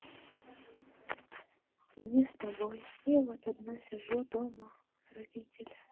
мне с тобой я вот одна дома сижу родители